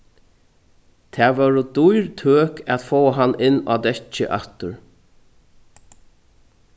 tað vóru dýr tøk at fáa hann inn á dekkið aftur